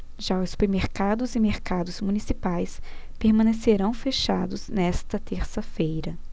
já os supermercados e mercados municipais permanecerão fechados nesta terça-feira